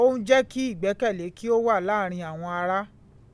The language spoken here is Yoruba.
Ó ń jẹ́ kí ìgbẹ́kẹ̀lé kí ó wà láàrin àwọn ará.